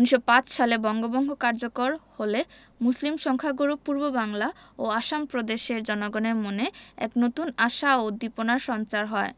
১৯০৫ সালে বঙ্গভঙ্গ কার্যকর হলে মুসলিম সংখ্যাগুরু পূর্ববাংলা ও আসাম প্রদেশের জনগণের মনে এক নতুন আশা ও উদ্দীপনার সঞ্চার হয়